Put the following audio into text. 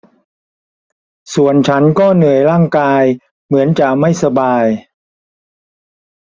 ส่วนฉันก็เหนื่อยร่างกายเหมือนจะไม่สบาย